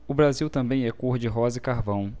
o brasil também é cor de rosa e carvão